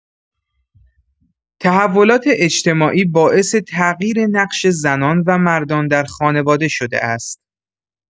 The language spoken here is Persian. تحولات اجتماعی باعث تغییر نقش زنان و مردان در خانواده شده است.